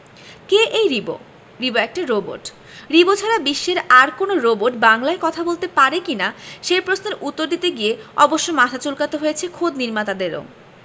কে এই রিবো রিবো একটা রোবট রিবো ছাড়া বিশ্বের আর কোনো রোবট বাংলায় কথা বলতে পারে কি না সে প্রশ্নের উত্তর দিতে গিয়ে অবশ্য মাথা চুলকাতে হয়েছে খোদ নির্মাতাদেরও